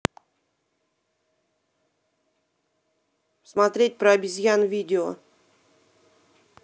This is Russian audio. смотреть про обезьян видео